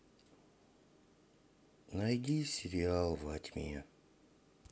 найди сериал во тьме